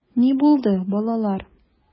Ни булды, балалар?